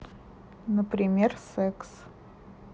например секс